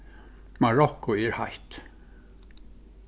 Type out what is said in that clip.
marokko er heitt